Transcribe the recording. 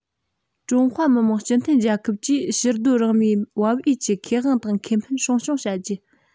ཀྲུང ཧྭ མི དམངས སྤྱི མཐུན རྒྱལ ཁབ ཀྱིས ཕྱིར སྡོད རང མིའི བབ འོས ཀྱི ཁེ དབང དང ཁེ ཕན སྲུང སྐྱོང བྱ རྒྱུ